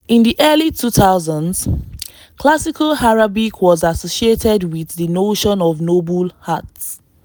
In the early 2000s, classical Arabic was associated with the notion of ‘noble’ art.